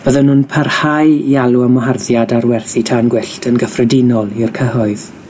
Bydden nw'n parhau i alw am waharddiad ar werthu tân gwyllt yn gyffredinol i'r cyhoedd.